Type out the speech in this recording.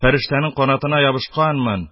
Фәрештәнең канатына ябышканмын,